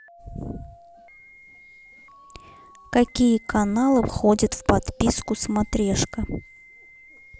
какие каналы входят в подписку смотрешка